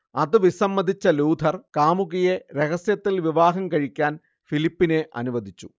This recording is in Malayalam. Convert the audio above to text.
അതു വിസമ്മതിച്ച ലൂഥർ കാമുകിയെ രഹസ്യത്തിൽ വിവാഹം കഴിക്കാൻ ഫിലിപ്പിനെ അനുവദിച്ചു